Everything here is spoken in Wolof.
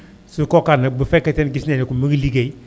su kooka amee bu fekkente ni gis nañ que mu ngi liggéey